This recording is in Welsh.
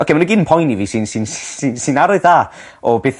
Oce ma' n'w gyd yn poeni fi sy'n sy'n s- sy'n arwydd dda o pethe...